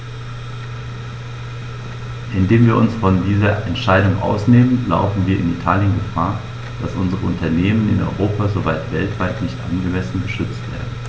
Indem wir uns von dieser Entscheidung ausnehmen, laufen wir in Italien Gefahr, dass unsere Unternehmen in Europa sowie weltweit nicht angemessen geschützt werden.